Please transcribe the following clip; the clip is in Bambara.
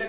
wa